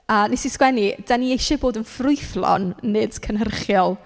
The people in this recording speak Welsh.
A wnes i sgwennu "dan ni isie bod yn ffrwythlon nid cynhyrchiol".